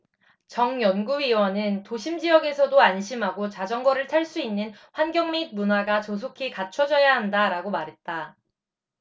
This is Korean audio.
정 연구위원은 도심지역에서도 안심하고 자전거를 탈 수 있는 환경 및 문화가 조속히 갖춰줘야 한다라고 말했다